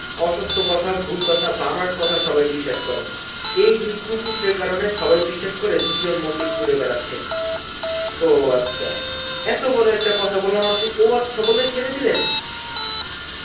অসত্য কথা ভুল কথা বানোয়াট কথা সবাই বিশ্বাস করে এই দুই কুপুত্রের কারণে সবাই বিশ্বাস করে দুইজন মল্লিক ঘুরে বেড়াচ্ছে ও আচ্ছা এত বড় একটা কথা বললাম আপনি ও আচ্ছা বলে ছেড়ে দিলেন